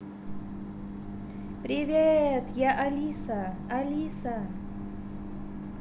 привет я алиса алиса